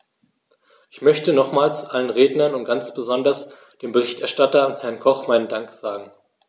Ich möchte nochmals allen Rednern und ganz besonders dem Berichterstatter, Herrn Koch, meinen Dank sagen.